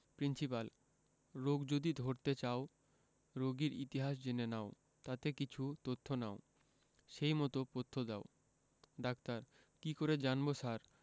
principal রোগ যদি ধরতে চাও রোগীর ইতিহাস জেনে নাও তাতে কিছু তথ্য নাও সেই মত পথ্য দাও ডাক্তার কি করে জানব স্যার